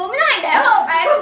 túm